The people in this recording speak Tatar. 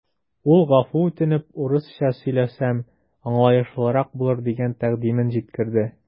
Ул гафу үтенеп, урысча сөйләсәм, аңлаешлырак булыр дигән тәкъдимен җиткерде.